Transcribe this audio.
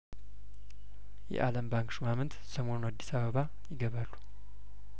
የአለም ባንክ ሹማምንት ሰሞኑን አዲስ አበባ ይገባሉ